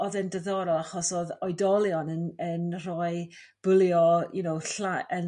o'dd yn diddorol achos o'dd oedolion yn yn rhoi bwlio you know